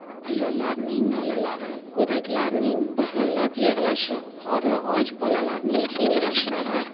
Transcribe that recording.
ayollarning nolalari go'daklarning big'illab yig'lashi qorni och bolalarning ingrashlari